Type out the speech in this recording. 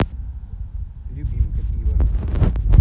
любимка пиво